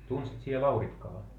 tunsit sinä Laurikkalan